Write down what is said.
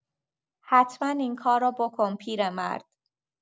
حتما این کار را بکن پیرمرد.